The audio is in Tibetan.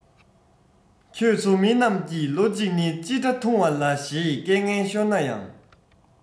ཁྱོད ཚོ མི རྣམས ཀྱིས ལོ གཅིག ནི ཅི འདྲ ཐུང བ ལ ཞེས སྐད ངན ཤོར ན ཡང